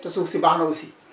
te suuf si baax na aussi